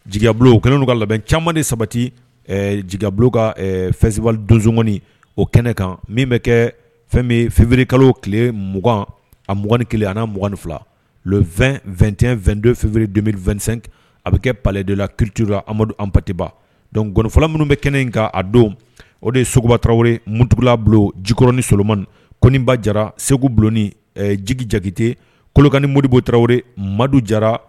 Jigi kɛlen ka labɛn caman ni sabati jigi ka fɛsi o kɛnɛ kan min bɛ kɛ fɛn ffri kalo tile 2 a m2 kelen ani na mugan2 fila 22tɛn2don ffvri don2 a bɛ kɛ paledo la kituurula amadu anptiba donfɔ minnu bɛ kɛnɛ in nka a don o de ye sogoba tarawele muugulabu jikinsoma koɔniba jara seguloni jigi jakite kɔlɔkani moridibo taraweleraw madi jara